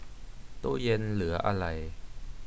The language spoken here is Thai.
ตู้เย็นเหลืออะไร